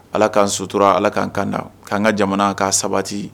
Ala k'an sotura ala k kaan kanda k'an ka jamana k' sabati